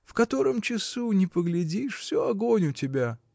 В котором часу ни поглядишь, всё огонь у тебя.